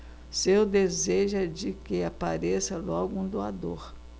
seu desejo é de que apareça logo um doador